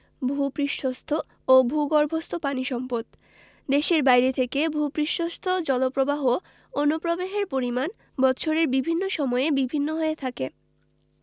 ভূ পৃষ্ঠস্থ ও ভূগর্ভস্থ পানি সম্পদ দেশের বাইরে থেকে ভূ পৃষ্ঠস্থ জলপ্রবাহ অনুপ্রবেশের পরিমাণ বৎসরের বিভিন্ন সময়ে বিভিন্ন হয়ে থাকে